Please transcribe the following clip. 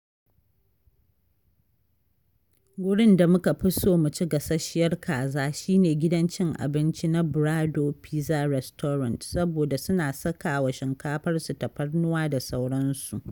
Wurin da muka fi son mu ci gasasshiyar kaza shi ne gidan cin abinci na Brador Pizza Restaurant saboda suna saka wa shinkafarsu tafarnuwa da sauransu.